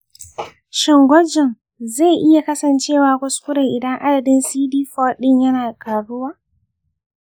shin gwajin zai iya kasancewa kuskure idan adadin cd4 ɗina yana ƙaruwa?